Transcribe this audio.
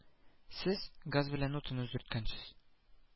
Сез газ белән утын өздерткәнсез